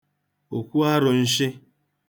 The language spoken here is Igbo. òkwu arụ̄nshị̄